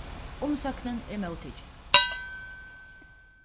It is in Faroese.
umsóknin er móttikin